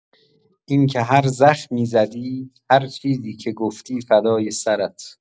اینکه هر زخمی زدی، هر چیزی که گفتی فدای سرت.